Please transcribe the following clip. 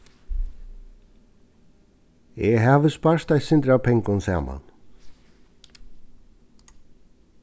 eg havi spart eitt sindur av pengum saman